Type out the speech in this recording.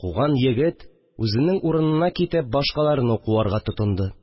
Куган егет, үзенең урынына китеп, башкаларны куарга тотынды